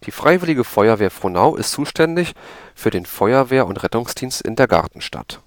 Freiwillige Feuerwehr Frohnau ist zuständig für den Feuerwehr - und Rettungsdienst in der Gartenstadt